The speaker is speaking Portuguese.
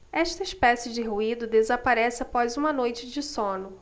esta espécie de ruído desaparece após uma noite de sono